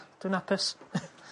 Dwy'n apus.